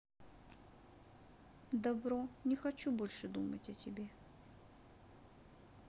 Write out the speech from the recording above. добро не хочу больше думать о тебе